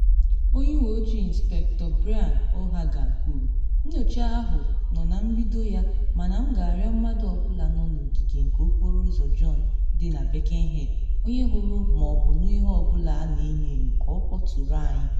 Onye Uwe Ojii Ịnspektọ Brian O'Hagan kwuru: ‘Nnyocha ahụ nọ na mbido ya mana m ga-arịọ mmadụ ọ bụla nọ n’ogige nke Okporo Ụzọ John dị na Birkenhead onye hụrụ ma ọ bụ nụ ihe ọ bụla a na enyo enyo ka ọ kpọtụrụ anyị.